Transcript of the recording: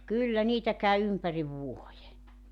kyllä niitä kävi ympäri vuoden